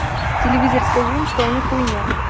телевизор скажи им что они хуйня